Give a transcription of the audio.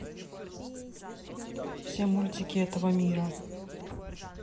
все мультики этого мира